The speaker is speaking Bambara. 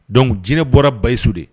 Donc jinɛ bɔra basiyisu de